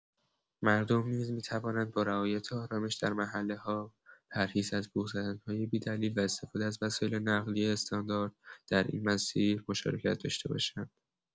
مردم نیز می‌توانند با رعایت آرامش در محله‌ها، پرهیز از بوق زدن‌های بی‌دلیل و استفاده از وسایل نقلیه استاندارد در این مسیر مشارکت داشته باشند.